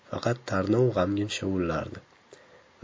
faqat tarnov g'amgin shovullardi